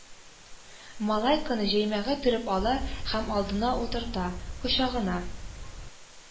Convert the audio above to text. Малайканы җәймәгә төреп ала һәм алдына утырта, кочагына